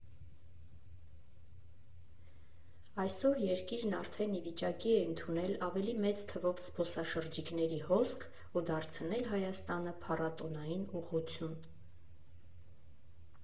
Այսօր երկիրն արդեն ի վիճակի է ընդունել ավելի մեծ թվով զբոսաշրջիկների հոսք ու դարձնել Հայաստանը փառատոնային ուղղություն։